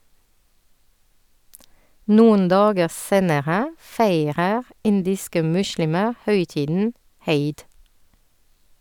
Noen dager senere feirer indiske muslimer høytiden Eid.